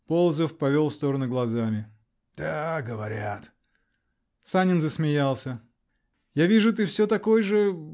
Полозов повел в сторону глазами. -- Да, говорят. Санин засмеялся. -- Я вижу, ты все такой же.